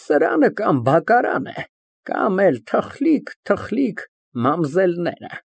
Սրանը կամ բակարան է, կամ թխլիկ֊թխլիկ մամզելները։